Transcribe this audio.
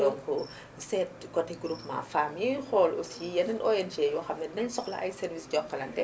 donc seet côté groupement femmes yi xool aussi yeneen ONG yoo xam ne dinañu soxla ay services Jokalante